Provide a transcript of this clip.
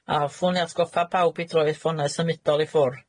A hoffwn i atgoffa pawb i droi 'u ffonau symudol i ffwr.